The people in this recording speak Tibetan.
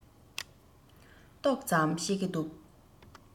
ཏོག ཚམ ཤེས ཀྱི འདུག